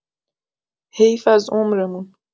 حیف از عمرمون